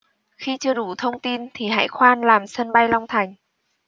khi chưa đủ thông tin thì hãy khoan làm sân bay long thành